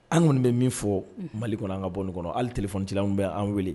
An kɔni bɛ min fɔ mali kɔnɔ anan ka bɔ kɔnɔ hali t fɔti an bɛ anan weele